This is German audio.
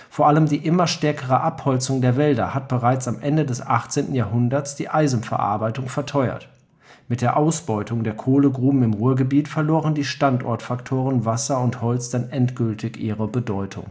Vor allem die immer stärkere Abholzung der Wälder hat bereits am Ende des 18. Jahrhunderts die Eisenverarbeitung verteuert. Mit der Ausbeutung der Kohlegruben im Ruhrgebiet verloren die Standortfaktoren Wasser und Holz dann endgültig ihre Bedeutung